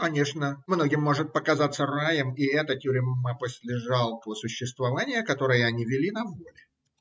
– Конечно, многим может показаться раем и эта тюрьма после жалкого существования, которое они вели на воле.